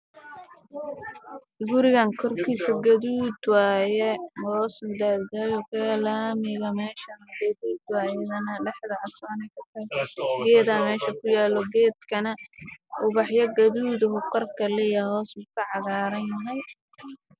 Waa guri kar gaduud ka ah